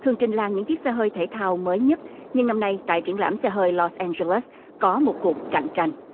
thường trình làng những chiếc xe hơi thể thao mới nhất nhưng năm nay tại triển lãm xe hơi lót an gơ lét có một cuộc cạnh tranh